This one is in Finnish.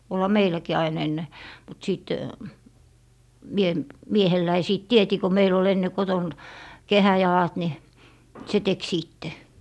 olihan meilläkin aina ennen mutta sitten minä miehelläni sitten teetin kun meillä oli ennen kotona kehäjalat niin se teki sitten